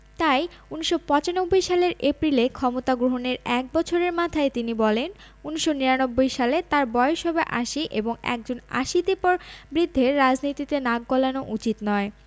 তাই ১৯৯৫ সালের এপ্রিলে ক্ষমতা গ্রহণের এক বছরের মাথায় তিনি বলেন ১৯৯৯ সালে তাঁর বয়স হবে আশি এবং একজন আশীতিপর বৃদ্ধের রাজনীতিতে নাক গলানো উচিত নয়